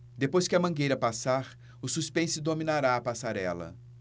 depois que a mangueira passar o suspense dominará a passarela